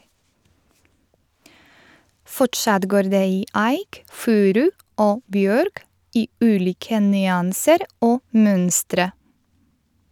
Fortsatt går det i eik, furu og bjørk - i ulike nyanser og mønstre.